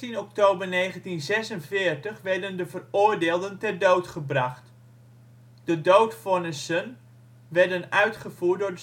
16 oktober 1946 werden de veroordeelden ter dood gebracht. De doodvonnissen werden uitgevoerd door